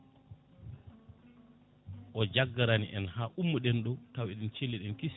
o jaggarani en ha ummoɗen ɗo taw eɗen celli eɗen kiisi